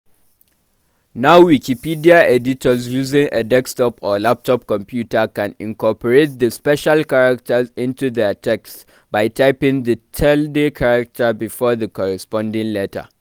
Now Wikipedia editors using a desktop or laptop computer can incorporate the special characters into their texts by typing the tilde (~) character before the corresponding letter.